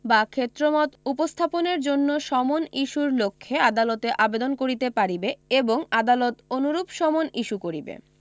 বা ক্ষেত্রমত উপস্থাপনের জন্য সমন ইস্যুর লক্ষ্যে আদালতে আবেদন করিতে পারিবে এবং আদালত অনুরূপ সমন ইস্যু করিবে